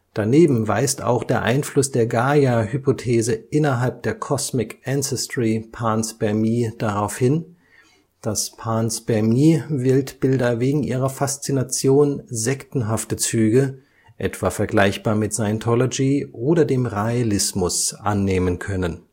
Daneben weist auch der Einfluss der Gaia-Hypothese innerhalb der Cosmic-Ancestry-Panspermie darauf hin, dass Panspermie-Weltbilder wegen ihrer Faszination sektenhafte Züge, etwa vergleichbar mit Scientology oder dem Raelismus, annehmen können